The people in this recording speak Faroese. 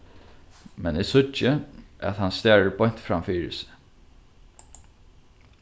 men eg síggi at hann starir beint fram fyri seg